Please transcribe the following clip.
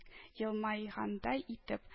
Елмайгандай итеп: